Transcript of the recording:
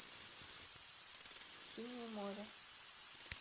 синее море